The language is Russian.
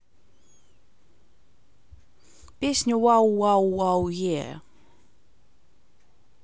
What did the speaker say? песня yay yay yay ее